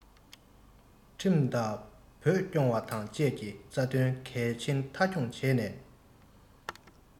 ཁྲིམས ལྟར བོད སྐྱོང བ དང བཅས ཀྱི རྩ དོན གལ ཆེན མཐའ འཁྱོངས བྱས ནས